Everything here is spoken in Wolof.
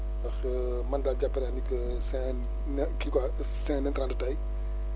ndax man daal jàpp naa ni que c' est un in kii quoi c' est un intrant de taille